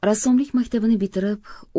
rassomlik maktabini bitirib